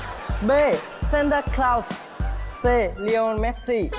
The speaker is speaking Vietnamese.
bê sen ta cờ lao sê li on mét si